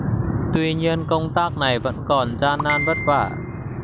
tuy nhiên công tác này vẫn còn gian nan vất vả